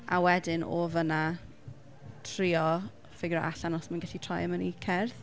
A wedyn o fan'na trio ffigro allan os fi'n gallu troi e mewn i cerdd.